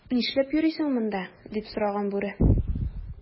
"нишләп йөрисең монда,” - дип сораган бүре.